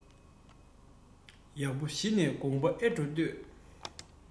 ཡག པོ ཞུས ནས དགོངས པ ཨེ སྤྲོ ལྟོས